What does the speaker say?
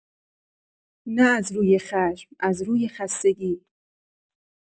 نه از روی خشم، از روی خستگی.